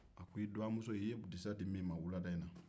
a ko i dwamuso i ye disa di min ma wulada in na